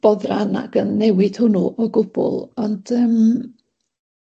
boddran ag yn newid hwnnw o gwbl, ond yym